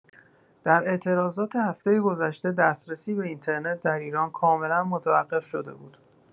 در اعتراضات هفته گذشته، دسترسی به اینترنت در ایران کاملا متوقف‌شده بود!